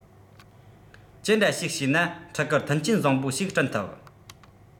ཅི འདྲ ཞིག བྱས ན ཕྲུ གུར མཐུན རྐྱེན བཟང པོ ཞིག བསྐྲུན ཐུབ